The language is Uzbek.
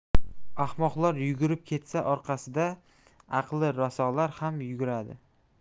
ahmoqlar yugurib ketsa orqasida aqli rasolar ham yuguradi